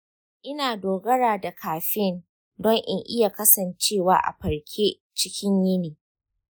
ina dogara da caffeine don in iya kasancewa a farke cikin yini.